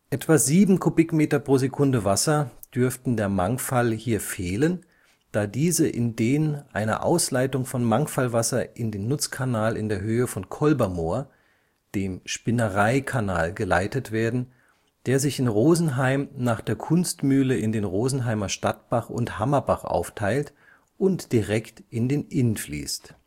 Etwa 7 m³/s Wasser dürften der Mangfall hier fehlen, da diese in den einer Ausleitung von Mangfallwasser in einen Nutzkanal in der Höhe von Kolbermoor, dem Spinnereikanal geleitet werden, der sich in Rosenheim nach der Kunstmühle in den Rosenheimer Stadtbach und Hammerbach aufteilt und direkt in den Inn fließt